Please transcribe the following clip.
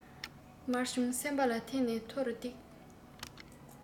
དམར ཆུང སེམས པ ལག མཐིལ ནས མཐོ རུ བཏེགས